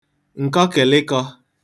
ǹkọkị̀lịkọ̄